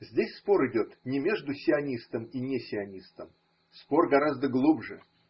Здесь спор идет не между сионистом и несионистом: спор гораздо глубже.